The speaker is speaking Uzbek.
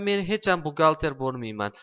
man hecham buxgalter bo'lmayman